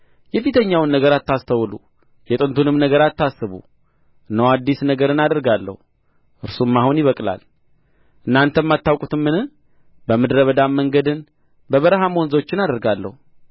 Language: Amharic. የፊተኛውን ነገር አታስተውሉ የጥንቱንም ነገር አታስቡ እነሆ አዲስ ነገርን አደርጋለህ እርሱም አሁን ይበቅላል እናንተም አታውቁትምን በምድረ በዳም መንገድን በበረሀም ወንዞችን አደርጋለሁ